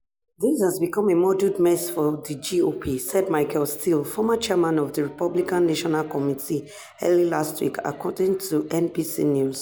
"This has become a muddled mess for the GOP," said Michael Steele, former chairman of the Republican National Committee, early last week, according to NBC News.